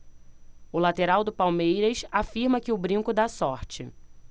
o lateral do palmeiras afirma que o brinco dá sorte